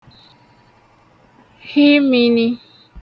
hi mini